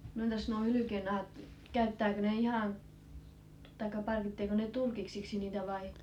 no entäs nuo hylkeennahat käyttääkö ne ihan tai parkitseeko ne turkiksiksi niitä vai